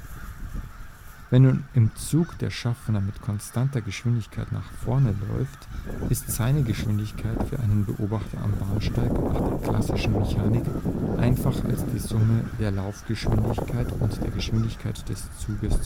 Wenn nun im Zug der Schaffner mit konstanter Geschwindigkeit nach vorne läuft (vgl. Einsteins Gedankenexperiment), ist seine Geschwindigkeit für einen Beobachter am Bahnsteig nach der klassischen Mechanik einfach als die Summe der Laufgeschwindigkeit und der Geschwindigkeit des Zuges